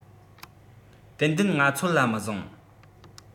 ཏན ཏན ང ཚོ ལ མི བཟང